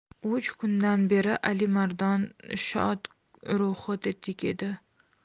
uch kundan beri alimardon shod ruhi tetik edi